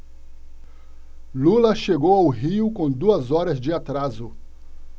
lula chegou ao rio com duas horas de atraso